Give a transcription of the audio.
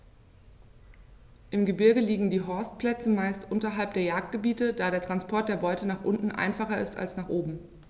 Im Gebirge liegen die Horstplätze meist unterhalb der Jagdgebiete, da der Transport der Beute nach unten einfacher ist als nach oben.